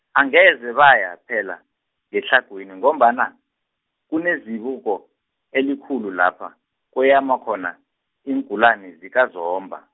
angeze baya phela, ngetlhagwini ngombana, kunezibuko, elikhulu lapha, kweyama khona, iingulani zikaZomba.